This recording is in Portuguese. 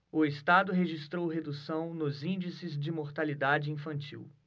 o estado registrou redução nos índices de mortalidade infantil